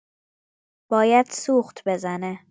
باید سوخت بزنه